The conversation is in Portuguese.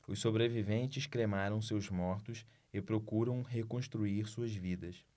os sobreviventes cremaram seus mortos e procuram reconstruir suas vidas